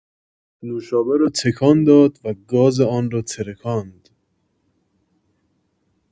نوشابه را تکان داد و گاز آن را ترکاند